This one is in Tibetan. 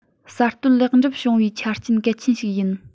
གསར གཏོད ལེགས འགྲུབ བྱུང བའི ཆ རྐྱེན གལ ཆེན ཞིག ཡིན